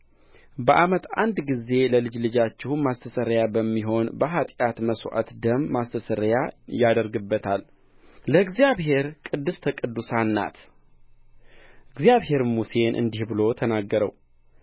በአመት አንድ ጊዜ ለልጅ ልጃችሁ ማስተስረያ በሚሆን በኃጢአት መሥዋዕት ደም ማስተስረያ ያደርግበታል ለእግዚአብሔር ቅድስተ ቅዱሳን ናት እግዚአብሔርም ሙሴን እንዲህ ብሎ ተናገረው